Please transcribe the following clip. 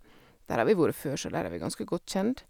Der har vi vore før, så der er vi ganske godt kjent.